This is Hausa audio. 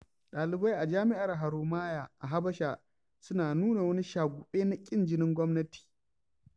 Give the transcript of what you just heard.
ɗalibai a jami'ar Haromaya a Habasha suna nuna wani shaguɓe na ƙin jinin gwamnati.